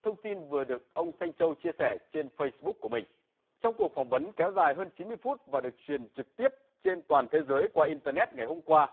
thông tin vừa được ông sanh châu chia sẻ trên phây xờ búc của mình trong cuộc phỏng vấn kéo dài hơn chín mươi phút và được truyền trực tiếp trên toàn thế giới qua in tơ nét ngày hôm qua